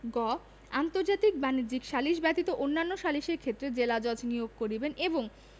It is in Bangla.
গ আন্তর্জাতিক বাণিজ্যিক সালিস ব্যতীত অন্যান্য সালিসের ক্ষেত্রে জেলাজজ নিয়োগ করিবেন এবং